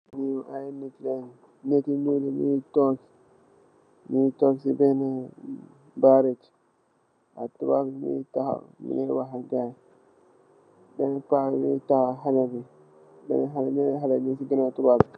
Nyi ay nit len nit yu nuul yi nyugi tog nyungi tog si bena mbareg toubab mogi taxaw mogi wax ak gayi mu taxaw xale bi benen xale bi mung si ganaw tubab bi.